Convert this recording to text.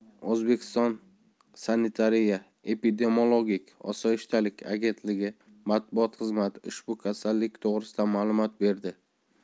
o'zbekiston sanitariya epidemiologik osoyishtalik agentligi matbuot xizmati ushbu kasallik to'g'risida ma'lumot berdi